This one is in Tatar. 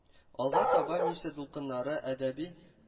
Алга таба “Мишә дулкыннары” әдәби